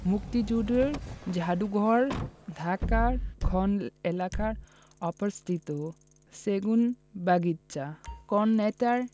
মুক্তিযুদ্ধ যাদুঘর ঢাকার কোন এলাকায় অবস্থিত সেগুনবাগিচা কোন নেতা